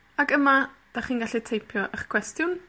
Ac yma 'dach chi'n gallu teipio 'ych cwestiwn.